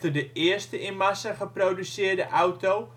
de eerste in massa geproduceerde auto